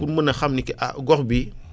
pour mun a xam ni que ah gox bii